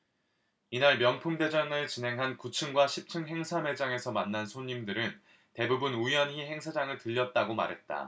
이날 명품대전을 진행한 구 층과 십 층 행사 매장에서 만난 손님들은 대부분 우연히 행사장을 들렀다고 말했다